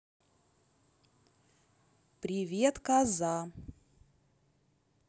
привет каза